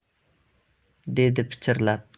dedi pichirlab